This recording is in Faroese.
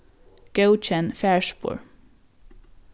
góðkenn farspor